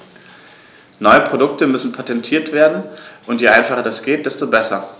Neue Produkte müssen patentiert werden, und je einfacher das geht, desto besser.